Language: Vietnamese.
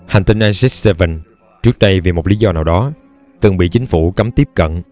hành tinh aegis vii trước đây vì một lý do nào đó từng bị chính phủ cấm tiếp cận